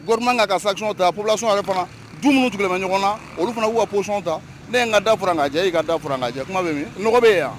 Ko kan ka saɔn ta pulasɔnɔn yɛrɛ fana dum minnu tugu ɲɔgɔn na olu fana wa ppsɔnɔn ta ne ka da fara naa i ka da kuma bɛ bɛ yen yan wa